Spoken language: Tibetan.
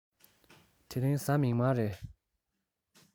དེ རིང གཟའ མིག དམར རེད